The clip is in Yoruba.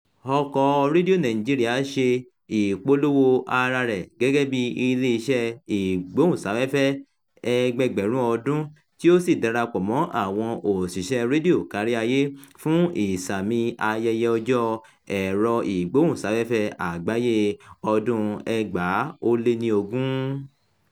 Ọkọ̀ọ Radio Nigeria ṣe ìpolówó ara rẹ̀ gẹ́gẹ́ bíi "iléeṣẹ́ ìgbóhùnsáfẹ́fẹ́ ẹgbẹẹgbẹ̀rún ọdún," tí ó sì darapọ̀ mọ́ àwọn òṣìṣẹ́ rédíò kárí ayé fún ìsààmì ayẹyẹ Ọjọ́ Ẹ̀rọ-ìgbóhùnsáfẹ́fẹ́ Àgbáyé ọdún-un 2020.